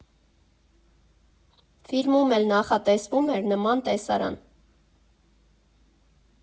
Ֆիլմում էլ նախատեսվում էր նման տեսարան։